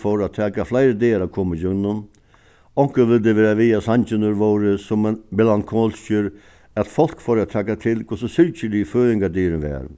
fór at taka fleiri dagar at koma ígjøgnum onkur vildi vera við at sangirnir vóru so melankolskir at fólk fóru at taka til hvussu syrgiligur føðingardagurin var